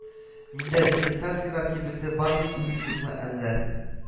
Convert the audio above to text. Миндә диссертацияләр кибете бар дип уйлыйсызмы әллә